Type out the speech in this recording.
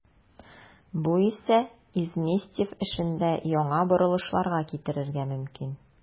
Бу исә Изместьев эшендә яңа борылышларга китерергә мөмкин.